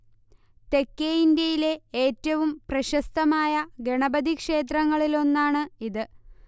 തെക്കേ ഇന്ത്യയിലെ ഏറ്റവും പ്രശസ്തമായ ഗണപതി ക്ഷേത്രങ്ങളിലൊന്നാണ് ഇത്